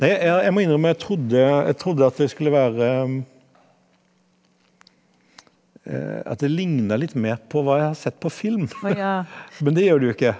nei ja jeg må innrømme, jeg trodde jeg trodde at det skulle være at det ligna litt mer på hva jeg har sett på film, men det gjør det jo ikke.